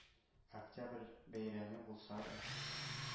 Октябрь бәйрәме булса да